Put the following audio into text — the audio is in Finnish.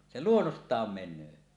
se luonnostaan menee